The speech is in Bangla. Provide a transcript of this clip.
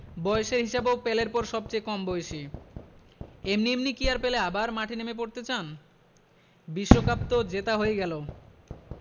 বয়সের হিসাবেও পেলের পর সবচেয়ে কম বয়সী এমনি এমনি কি আর পেলে আবার মাঠে নেমে পড়তে চান বিশ্বকাপ তো জেতা হয়ে গেল